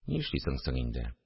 – ни эшлисең соң инде